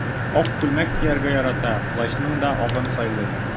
Ак күлмәк кияргә ярата, плащның да агын сайлый.